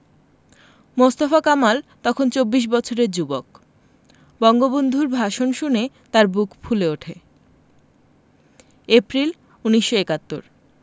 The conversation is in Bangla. মোস্তফা কামাল তখন চব্বিশ বছরের যুবক বঙ্গবন্ধুর ভাষণ শুনে তাঁর বুক ফুলে ওঠে এপ্রিল ১৯৭১